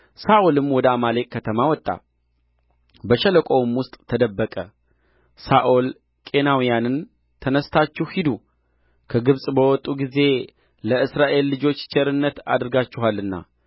ሳኦልም ወደ አማሌቅ ከተማ ወጣ በሸለቆውም ውስጥ ተደበቀ ሳኦል ቄናውያንን ተነሥታችሁ ሂዱ ከግብጽ በወጡ ጊዜ ለእስራኤል ልጆች ቸርነት አድርጋችኋልና